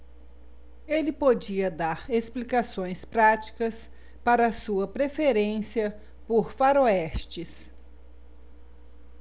ele podia dar explicações práticas para sua preferência por faroestes